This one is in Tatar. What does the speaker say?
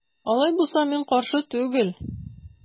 Алай булса мин каршы түгел.